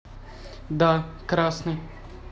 да красный